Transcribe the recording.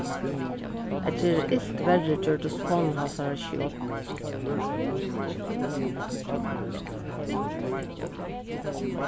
at gera ilt verri gjørdist kona hansara sjúk